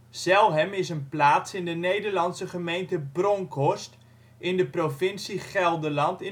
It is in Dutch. Zelhem is een plaats in de Nederlandse gemeente Bronckhorst in de provincie Gelderland